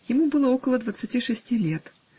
Ему было около двадцати шести лет.